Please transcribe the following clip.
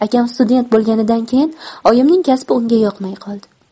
akam student bo'lganidan keyin oyimning kasbi unga yoqmay qoldi